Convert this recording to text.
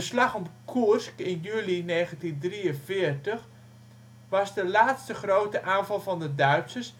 Slag om Koersk in juli 1943 was de laatste grote aanval van de Duitsers